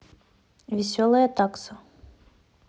веселая такса